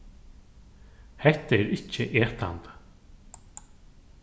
hetta er ikki etandi